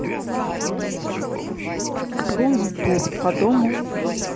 рум тур по дому в